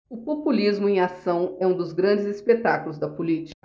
o populismo em ação é um dos grandes espetáculos da política